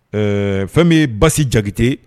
Ɛɛ fɛn bɛ baasi jakite